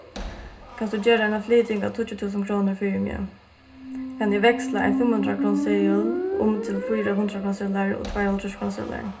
kanst tú gera eina flyting á tíggju túsund krónur fyri meg kann eg veksla ein fimmhundraðkrónuseðil um til fýra hundraðkrónuseðlar og tveir hálvtrýsskrónuseðlar